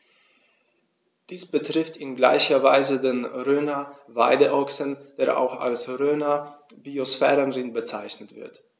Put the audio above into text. Dies betrifft in gleicher Weise den Rhöner Weideochsen, der auch als Rhöner Biosphärenrind bezeichnet wird.